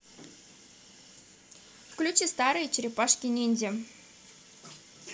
включи старые черепашки ниндзя